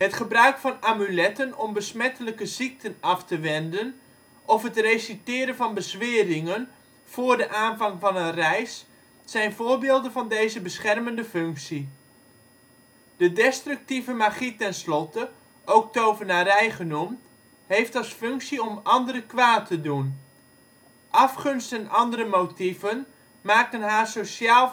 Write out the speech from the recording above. gebruik van amuletten om besmettelijke ziekten af te wenden of het reciteren van bezweringen voor de aanvang van een reis zijn voorbeelden van deze beschermende functie. De destructieve magie ten slotte, ook ' tovenarij ' genoemd, heeft als functie om anderen kwaad aan te doen. Afgunst en andere motieven maken haar sociaal